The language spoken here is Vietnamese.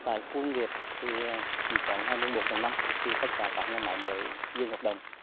tại khu công nghiệp thì chỉ có ngày mồng một tháng năm thì tất cả các nhà máy mới dừng hoạt động